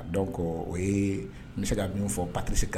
Donc o ye n bi se ka mun fɔ Patirisi ka